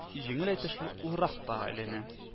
Җиңел әйтелешле уракка әйләнә